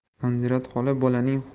anzirat xola bolaning ho'l